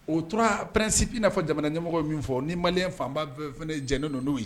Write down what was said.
O tora pɛsi'i'a fɔ jamana ɲɛmɔgɔ min fɔ ni malilen fanba fɛn jɛnɛ ninnu' ye